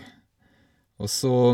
Og så...